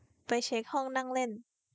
ไปเช็คห้องนั่งเล่น